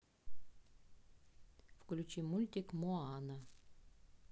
включи мультик моана